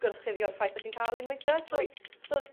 gorchuddio'r ffaith bo' ti'n ca'l un weithe so... Wyt. ...so